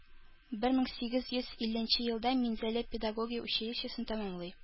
Бер мең сигез йөз илленче елда Минзәлә педагогия училищесын тәмамлый